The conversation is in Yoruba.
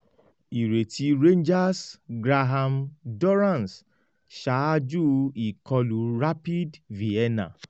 Ireti Rangers Graham Dorrans ṣaaju ikọlu Rapid Vienna